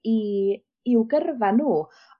...i, i'w gyrfa n'w.